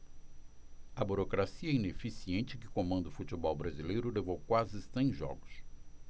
a burocracia ineficiente que comanda o futebol brasileiro levou quase cem jogos